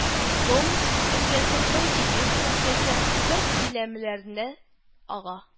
Томск өлкәсе, Новосибирск өлкәсе бер биләмәләрендә ага